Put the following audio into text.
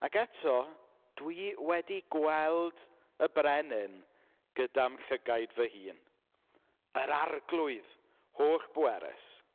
Ac eto dw i wedi gweld y brenin gyda'm llygaid fy hun, yr arglwydd holl-bwerus.